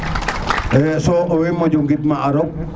so o mbay ŋid ma a roog